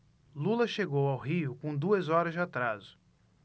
lula chegou ao rio com duas horas de atraso